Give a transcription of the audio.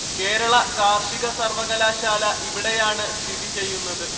കേരള കാര്‍ഷിക സര്‍വ്വകലാശാല ഇവിടെയാണ് സ്ഥിതിചെയ്യുന്നത്